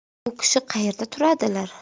u kishi qaerda turadilar